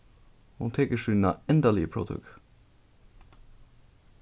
hon tekur sína endaligu próvtøku